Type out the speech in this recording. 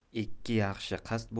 ikki yaxshi qasd